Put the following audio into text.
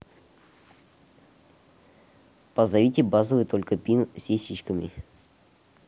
позовите базовый только пин сисечками